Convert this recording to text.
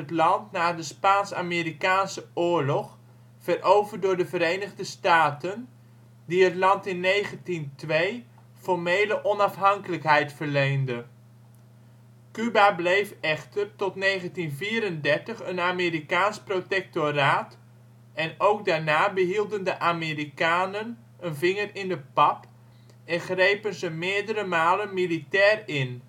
land na de Spaans-Amerikaanse Oorlog veroverd door de Verenigde Staten, die het land in 1902 formele onafhankelijkheid verleende. Cuba bleef echter tot 1934 een Amerikaans protectoraat en ook daarna behielden de Amerikanen een vinger in de pap, en grepen ze meerdere malen militair in